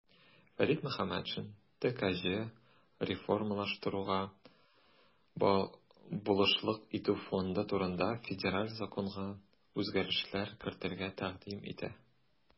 Фәрит Мөхәммәтшин "ТКҖ реформалаштыруга булышлык итү фонды турында" Федераль законга үзгәрешләр кертергә тәкъдим итә.